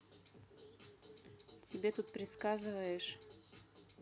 тебе тут предсказываешь